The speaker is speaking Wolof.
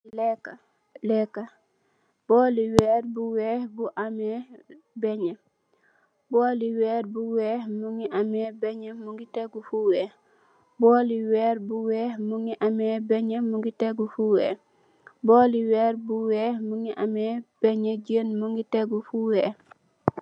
Leeka, booli weer bu weeh mungi ame benyeh, jeun mungi tege fu weeh.